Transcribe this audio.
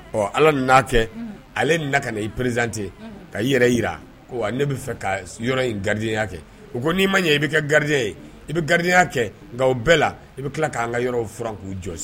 Ɔ ala'a kɛ ale na ka na i perezte ka yɛrɛ yira ne bɛ fɛ ka yɔrɔ garididenyaya kɛ u ko n'i ma ɲɛ i bɛ kɛ garidi ye i bɛ garididenyaya kɛ nka bɛɛ la i bɛ tila k'an ka yɔrɔ fura k'u jɔ